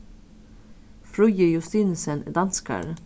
fríði justinussen er danskari